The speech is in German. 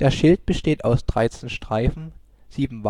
Schild besteht aus 13 Streifen, sieben